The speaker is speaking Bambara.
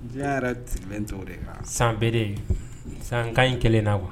Diɲɛ yɛrɛ sigilen to de kan : san bere, san ka in kelen na quoi